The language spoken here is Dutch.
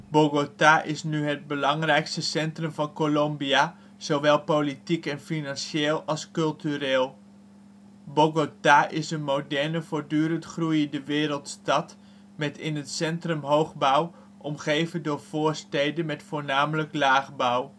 Bogota is nu het belangrijkste centrum van Colombia, zowel politiek en financieel als cultureel. Bogota is een moderne, voortdurend groeiende wereldstad met in het centrum hoogbouw, omgeven door voorsteden met voornamelijk laagbouw